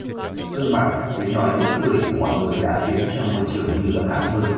gương mặt tiếng nói tiếng cười của mọi người đã khiến cho ngôi trường như ấm áp hơn